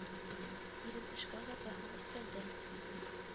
Ирен эшкә озата һәм өстәлдә